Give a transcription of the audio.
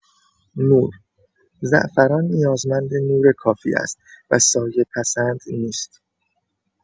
نور: زعفران نیازمند نور کافی است و سایه‌پسند نیست.